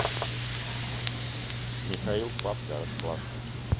михаил папка раскладка